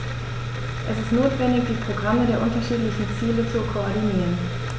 Es ist notwendig, die Programme der unterschiedlichen Ziele zu koordinieren.